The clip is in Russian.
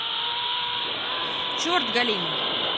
черт галимый